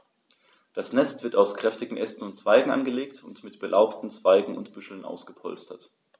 Das Nest wird aus kräftigen Ästen und Zweigen angelegt und mit belaubten Zweigen und Büscheln ausgepolstert.